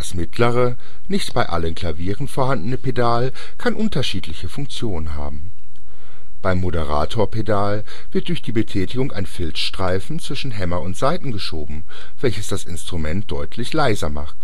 mittlere (nicht bei allen Klavieren vorhandene) Pedal kann unterschiedliche Funktionen haben. Beim Moderatorpedal wird durch die Betätigung ein Filzstreifen zwischen Hämmer und Saiten geschoben, welches das Instrument deutlich leiser macht